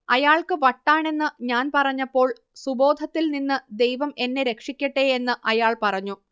അയാൾക്ക് വട്ടാണെന്ന് ഞാൻ പറഞ്ഞപ്പോൾ സുബോധത്തിൽ നിന്ന് ദൈവം എന്നെ രക്ഷിക്കട്ടെ എന്ന് അയാൾ പറഞ്ഞു